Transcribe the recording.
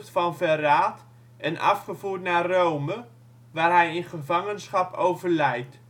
van verraad en afgevoerd naar Rome, waar hij in gevangenschap overlijdt